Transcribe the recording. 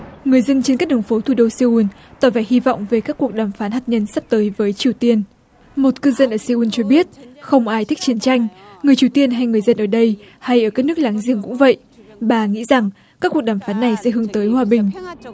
người dân trên các đường phố thủ đô xê un tôi phải hy vọng về các cuộc đàm phán hạt nhân sắp tới với triều tiên một cư dân ở xê un cho biết không ai thích chiến tranh người triều tiên hay người dân ở đây hay ở các nước láng giềng cũng vậy bà nghĩ rằng các cuộc đàm phán này sẽ hướng tới hòa bình